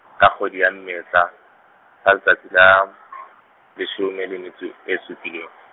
ka kgwedi ya Mmesa, ka letsatsi la , leshome le metso e supileng.